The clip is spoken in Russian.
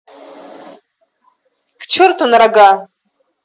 к черту на рога